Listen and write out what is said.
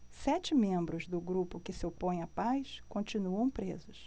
sete membros do grupo que se opõe à paz continuam presos